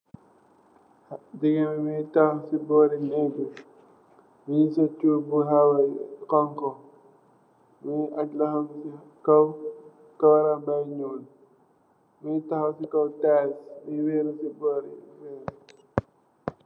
Jigeen bi munge takhaw si buri birr bi munge sul chup bu khawa xhong khu kawaram bange nyul munge tahaw si kaw tiles